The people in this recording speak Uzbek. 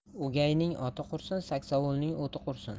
o'gayning oti qursin saksovulning o'ti qursin